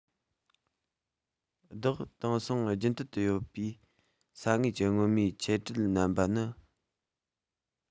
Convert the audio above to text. བདག དེང སང རྒྱུན མཐུད དུ ཡོད པའི ས ངོས ཀྱི སྔོན མའི ཆད བྲལ རྣམ པ ནི